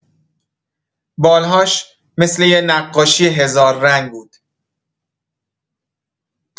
بال‌هاش مثل یه نقاشی هزار رنگ بود.